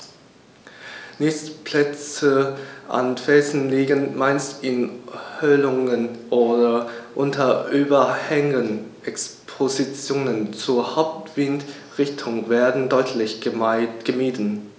Nistplätze an Felsen liegen meist in Höhlungen oder unter Überhängen, Expositionen zur Hauptwindrichtung werden deutlich gemieden.